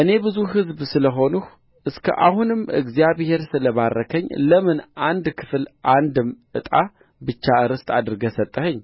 እኔ ብዙ ሕዝብ ስለ ሆንሁ እስከ አሁንም እግዚአብሔር ስለ ባረከኝ ለምን አንድ ክፍል አንድም ዕጣ ብቻ ርስት አድርገህ ሰጠኸኝ